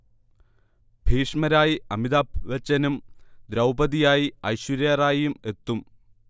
ഭീഷ്മരായി അമിതാഭ് ബച്ചനും ദ്രൗപതിയായി ഐശ്വര്യ റായിയും എത്തും